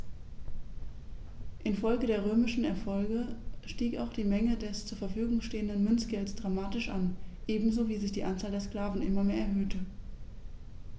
Infolge der römischen Erfolge stieg auch die Menge des zur Verfügung stehenden Münzgeldes dramatisch an, ebenso wie sich die Anzahl der Sklaven immer mehr erhöhte.